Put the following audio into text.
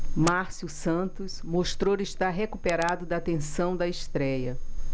márcio santos mostrou estar recuperado da tensão da estréia